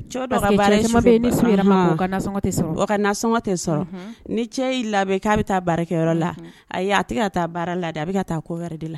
u Ka nasɔngɔ tɛ sɔrɔ ni cɛ y'i labɛn k'a bɛ taa baara kɛyɔrɔ la ayi a tɛ ka taa baara la dɛ a bɛ ka taa ko wɛrɛ de la